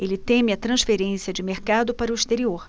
ele teme a transferência de mercado para o exterior